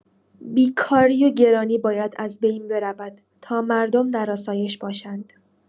بیکاری و گرانی باید از بین برود تا مردم در آسایش باشند.